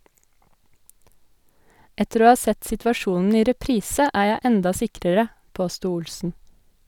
- Etter å ha sett situasjonen i reprise, er jeg enda sikrere, påsto Olsen.